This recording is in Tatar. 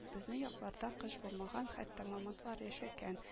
Безнең якларда кыш булмаган, хәтта мамонтлар яшәгән